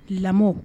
Lamɔ